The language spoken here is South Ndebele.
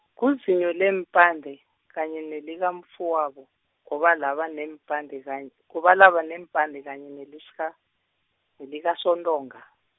nguzinyo leempande, kanye nelikamfowabo, ngoba laba neempande kany-, ngoba laba neempande kanye neliska, nelikaSontonga.